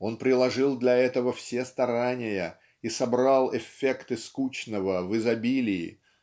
Он приложил для этого все старания и собрал эффекты скучного в изобилии